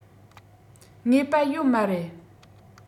ངེས པ ཡོད མ རེད